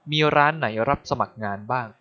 มีร้านไหนรับสมัครงานบ้าง